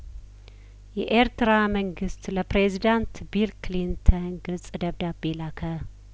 የኤርትራ መንግስት ለፕሬዚዳንት ቢል ክሊንተን ግልጽ ደብዳቤ ላከ